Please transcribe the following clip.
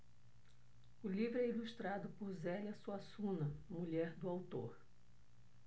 o livro é ilustrado por zélia suassuna mulher do autor